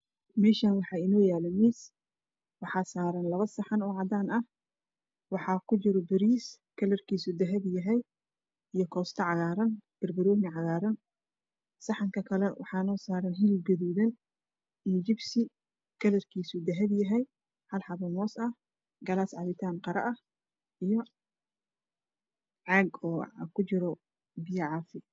Meshan waxa ino yala mis waxa saran labo saxan cadaan ah waxa ku jiro baris kalarkisa cadan yahy iyo kosto cagaran bar baroni cagaran saxanka kale waxan ino saran hilib gadudan iyo jibsi kalarkiisa kadudan yahy xal xabo mos ah kalas cabitan qaro ah iyo cag ku jiro biyo cafi ah